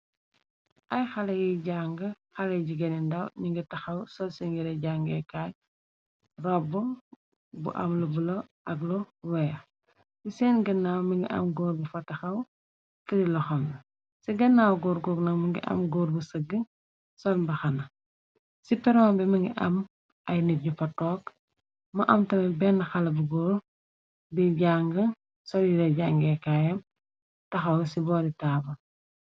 Ay xale yi jànge, xale jigéen yu ndaw, ñi ngi taxaw sol sen yire jàngeekaay, robbu bu am lu bula ak lu weex, si seen gannaaw mi ngi am góor bu fa taxaw fri loxam, ci gannaaw góor goog nak mi ngi am góor gu sëgg sol mbaxana, ci peron bi mi ngi am ay nit yu fa toog mu am tamit benne xale bu góor bi jànge, sol yire jangeekaayam taxaw ci boori taabul.